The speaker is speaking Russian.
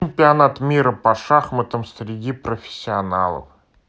чемпионат мира по шахматам среди профессионалов